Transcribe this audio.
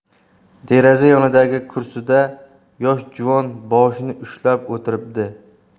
deraza yonidagi kursida yosh juvon boshini ushlab o'tiribdi